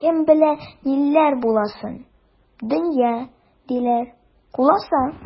Кем белә ниләр буласын, дөнья, диләр, куласа.